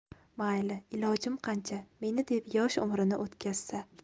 mayli ilojim qancha meni deb yosh umrini o'tkazsa